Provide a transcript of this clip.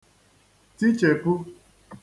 tichèpu